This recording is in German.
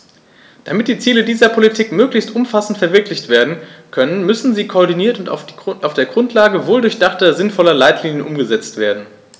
Damit die Ziele dieser Politiken möglichst umfassend verwirklicht werden können, müssen sie koordiniert und auf der Grundlage wohldurchdachter, sinnvoller Leitlinien umgesetzt werden.